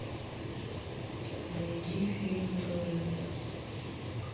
найди фильм дуэт